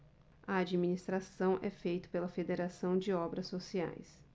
a administração é feita pela fos federação de obras sociais